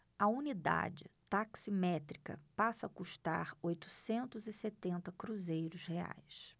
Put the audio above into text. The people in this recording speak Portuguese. a unidade taximétrica passa a custar oitocentos e setenta cruzeiros reais